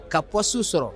Kaɔ su sɔrɔ